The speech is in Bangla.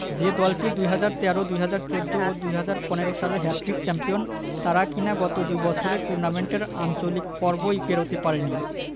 যে দলটি ২০১৩ ২০১৪ ও ২০১৫ সালে হ্যাটট্রিক চ্যাম্পিয়ন তারা কিনা গত দুই বছরে টুর্নামেন্টের আঞ্চলিক পর্বই পেরোতে পারেনি